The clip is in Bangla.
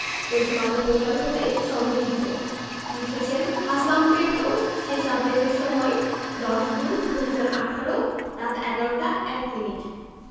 প্রথমআলো পোর্টাল হতে সংগৃহীত লিখেছেন হাসাম ফেরদৌস শেষ আপডেটের সময় ১০ জুন ২০১৮ রাত ১১টা ১ মিনিট